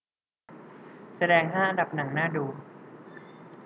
แสดงห้าอันดับหนังน่าดู